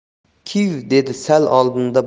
kiv dedi sal oldinda